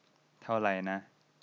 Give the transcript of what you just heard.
เท่าไรนะ